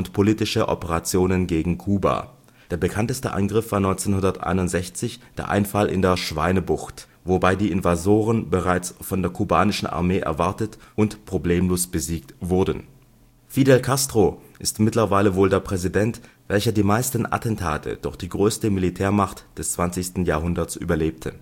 politische Operationen gegen Kuba. Der bekannteste Angriff war 1961 der Einfall in der Schweinebucht, wobei die Invasoren bereits von der kubanischen Armee erwartet und problemlos besiegt wurden. Fidel Castro ist mittlerweile wohl der Präsident, welcher die meisten Attentate durch die größte Militärmacht des 20. Jahrhunderts überlebte